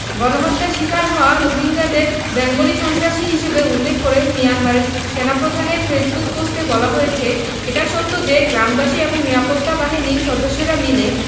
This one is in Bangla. গণহত্যার শিকার হওয়া রোহিঙ্গাদের বেঙ্গলি সন্ত্রাসী হিসেবে উল্লেখ করে মিয়ানমারের সেনাপ্রধানের ফেসবুক পোস্টে বলা হয়েছে এটা সত্য যে গ্রামবাসী ও নিরাপত্তা বাহিনীর সদস্যরা মিলে